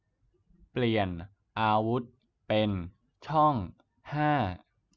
เปลี่ยนอาวุธเป็นช่องห้า